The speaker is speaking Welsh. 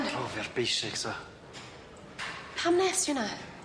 Rho fi ar basic ta? Pam nes ti wnna?